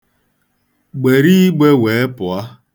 Gbere igbe wee pụọ.